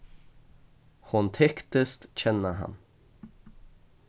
hon tyktist kenna hann